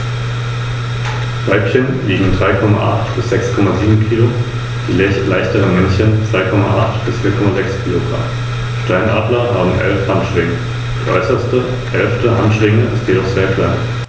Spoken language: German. In seiner östlichen Hälfte mischte sich dieser Einfluss mit griechisch-hellenistischen und orientalischen Elementen.